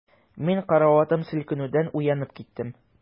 Мин караватым селкенүдән уянып киттем.